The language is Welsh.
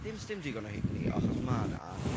Ddim sdim digon o'n- ni achos ma' 'na.